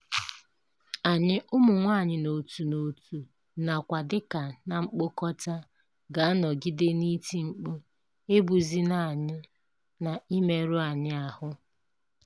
Anyị, ụmụ nwaanyị n'otu n'otu, nakwa dịka na mkpokọta, ga-anọgide n'iti mkpu "egbuzina anyị" na "imerụ anyị ahụ".